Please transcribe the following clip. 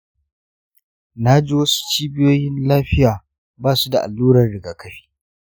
na ji wasu cibiyoyin lafiya ba su da allurar rigakafi.